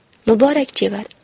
muborak chevar